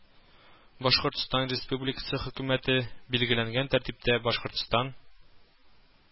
Башкортстан Республикасы Хөкүмәте билгеләгән тәртиптә Башкортстан